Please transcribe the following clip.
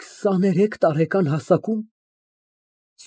Քսանուերեք տարեկան հասակում։